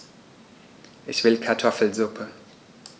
Ich will Kartoffelsuppe.